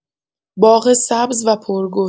باغ سبز و پرگل